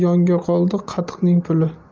yonga qoldi qatiqning puli